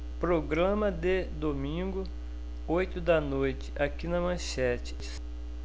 programa de domingo oito da noite aqui na manchete